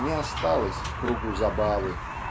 не осталась в кругу забавы